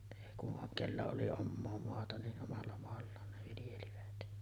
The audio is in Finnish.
ei kun on kenellä oli omaa maata niin omalla maallaan ne viljelivät